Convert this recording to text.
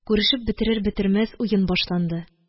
Күрешеп бетерер-бетермәс, уен башланды